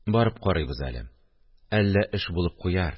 – барып карыйбыз әле, әллә эш булып куяр